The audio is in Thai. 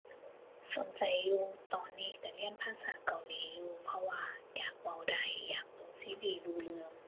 สนใจอยู่ ตอนนี้ก็เรียนภาษาเกาหลีอยู่ เพราะว่าอยากเว้าได้ อยากเบิ่งซีรีส์รู้เรื่อง